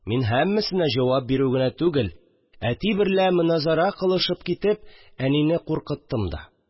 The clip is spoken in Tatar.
Мин һәммәсенә җавап бирү генә түгел, әти берлә моназарә кылышып китеп, әнине куркыттым да